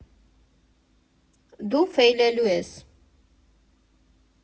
Դու ֆեյլելու ես։